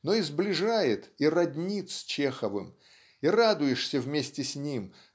но и сближает и роднит с Чеховым и радуешься вместе с ним